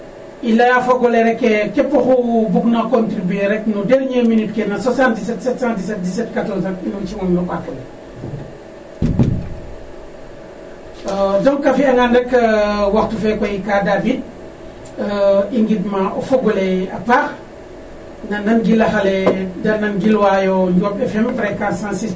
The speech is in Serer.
I layaa fog ole reke keep oxu bugna contribuer rek no derniere minute ke no 777171714 in way cungang no ɓaak ole donc a fi'angaan koy waxtu fe ka daabiid .I ngidmaa o fog ole a paax na nangilax ale da nangilwa yo Ndiob FM fréquence 106.